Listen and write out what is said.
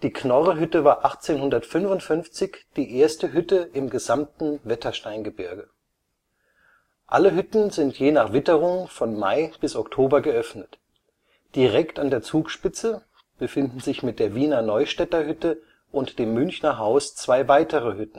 Knorrhütte war 1855 die erste Hütte im gesamten Wettersteingebirge. Alle Hütten sind je nach Witterung von Mai bis Oktober geöffnet. Direkt an der Zugspitze befinden sich mit der Wiener-Neustädter-Hütte und dem Münchner Haus zwei weitere